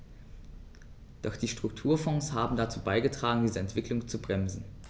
Doch die Strukturfonds haben dazu beigetragen, diese Entwicklung zu bremsen.